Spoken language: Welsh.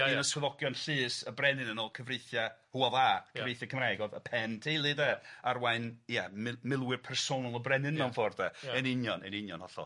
un o swyddogion llys y brenin yn ôl cyfreithia' Hywel Dda... Ia. ...cyfreithiau Cymraeg o'dd y pen teulu 'de arwain ia mil- milwyr personol brenin mewn ffordd 'de. Ia. Yn union yn union hollol.